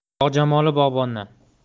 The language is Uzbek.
bog' jamoli bog'bondan